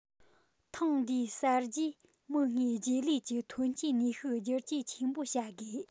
ཐེངས འདིའི གསར བརྗེས མིག སྔའི རྗེས ལུས ཀྱི ཐོན སྐྱེད ནུས ཤུགས བསྒྱུར བཅོས ཆེན པོ བྱ དགོས